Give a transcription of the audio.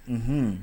Unhun